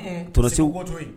Un un Tonton Segu ko to yen